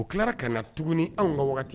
U tila ka na tuguni ni anw ka waati